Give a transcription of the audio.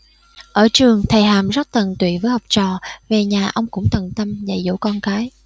ở trường thầy hàm rất tận tụy với học trò về nhà ông cũng tận tâm dạy dỗ con cái